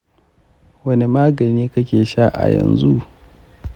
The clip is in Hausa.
wane magani kake sha a yanzu?